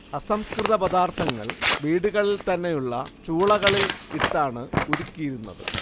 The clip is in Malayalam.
അസംസ്കൃത പദാർത്ഥങ്ങൾ വീടുകളിൽ തന്നെയുള്ള ചൂളകളിൽ ഇട്ടാണ് ഉരുക്കിയിരുന്നത്